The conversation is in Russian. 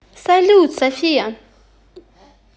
салют софия